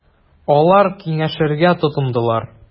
Алар киңәшергә тотындылар.